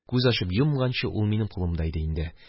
Күз ачып-йомганчы ул минем кулымда иде инде.